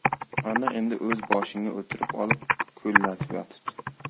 ana endi o'zi boshingga o'tirib olib ko'llatib yotibdi